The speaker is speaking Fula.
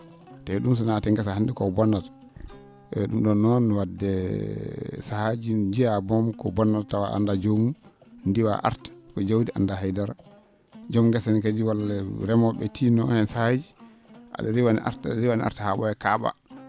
te ?um so naatii e ngesa hannde koko bonnata eyyi ?um noon wadde sahaaji njiya boom ko bonnata tawa a anndaa joomum ndiwa arta ko jawdi annda haydara jom ngesa ne kadi walla remoo?e tinnoo heen saahaaji a?a riiwa no arta a?a riiwa no arta haa kaa?aa